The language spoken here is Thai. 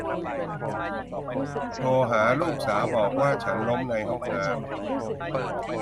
โทรหาลูกสาวบอกว่าฉันล้มในห้องน้ำ